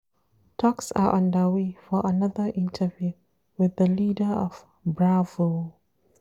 Talks are underway for another interview with the leaders of BRAVO!